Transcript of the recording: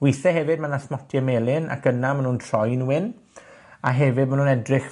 Withe hefyd ma' 'na smotie melyn, ac yna ma' nw'n troi'n wyn, a hefyd ma' nw'n edrych